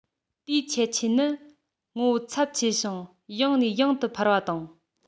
དེའི ཁྱད ཆོས ནི ངོ བོ ཚབས ཆེ ཞིང ཡང ནས ཡང དུ འཕར བ དང